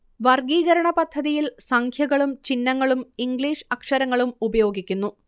വർഗ്ഗീകരണ പദ്ധതിയിൽ സംഖ്യകളും ചിഹ്നങ്ങളും ഇംഗ്ലീഷ് അക്ഷരങ്ങളും ഉപയോഗിക്കുന്നു